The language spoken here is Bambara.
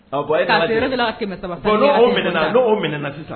Don minɛɛna sisan